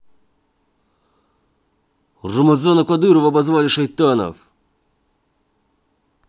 рамазана кадырова обозвали шайтанов